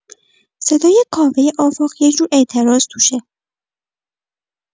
صدای کاوه آفاق یه جور اعتراض توشه.